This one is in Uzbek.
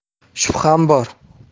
shubham bor